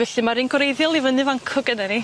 Felly ma'r un gwreiddiol i fyny fan 'cw gynnon ni.